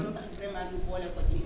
looloo tax vraiment ñu boole ko ci